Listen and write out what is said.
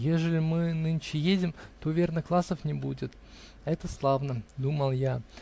"Ежели мы нынче едем, то, верно, классов не будет; это славно! -- думал я.